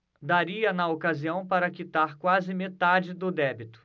daria na ocasião para quitar quase metade do débito